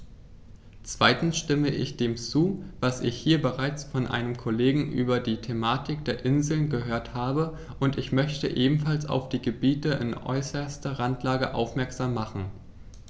Zweitens stimme ich dem zu, was ich hier bereits von einem Kollegen über die Thematik der Inseln gehört habe, und ich möchte ebenfalls auf die Gebiete in äußerster Randlage aufmerksam machen.